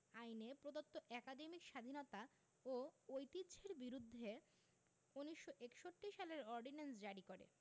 আইনে প্রদত্ত একাডেমিক স্বাধীনতা ও ঐতিহ্যের বিরুদ্ধে ১৯৬১ সালের অর্ডিন্যান্স জারি করে